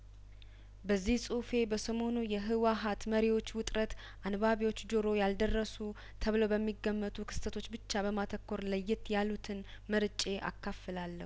በዚህ ጹሁፌ በሰሞኑ የህወሀት መሪዎች ውጥረት አንባቢዎች ጆሮ ያልደረሱ ተብለው በሚገመቱ ክስተቶች ብቻ በማተኮር ለየት ያሉትን መርጬ አካፍላለሁ